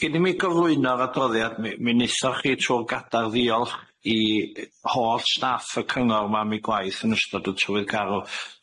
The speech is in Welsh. Cyn i mi gyflwyno'r adroddiad mi mi neithoch chi trw'r gadar ddiolch i holl staff y cyngor ma am ei gwaith yn ystod y tywydd garw,